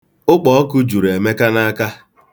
Ụkpọọkụ juru Emeka n'aka.